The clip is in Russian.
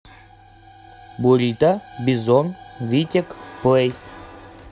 бурито бизон витек плей